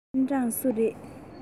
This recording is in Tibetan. པེན ཀྲང སུ རེད